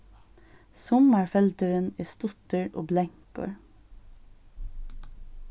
summarfeldurin er stuttur og blankur